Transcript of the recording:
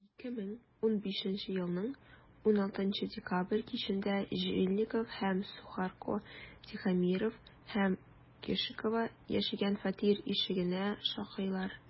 2015 елның 16 декабрь кичендә жильников һәм сухарко тихомиров һәм кешикова яшәгән фатир ишегенә шакыйлар.